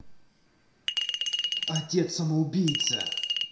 отец самоубийца